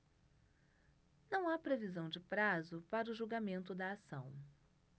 não há previsão de prazo para o julgamento da ação